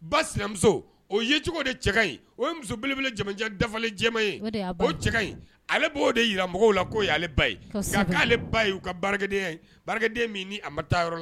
Ba sinamuso o yecogo de cɛka ɲi o ye muso belebele jamanaja dafa jɛma ye k'o ɲi ale b'o de jiramɔgɔ la k'o ye ale ba ye kɛale ba ye u kaden baraden min ni a ma taa yɔrɔ la